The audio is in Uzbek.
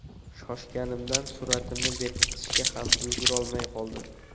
shoshganimdan suratimni berkitishga ham ulgurolmay qoldim